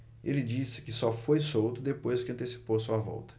ele disse que só foi solto depois que antecipou sua volta